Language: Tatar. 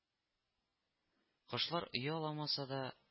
Кошлар ояламаса да